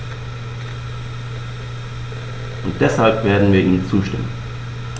Und deshalb werden wir ihm zustimmen.